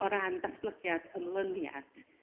o ran datblygiad ymlyniad